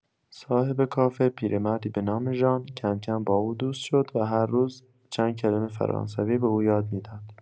صاحب کافه، پیرمردی به نام ژان، کم‌کم با او دوست شد و هر روز چند کلمه فرانسوی به او یاد می‌داد.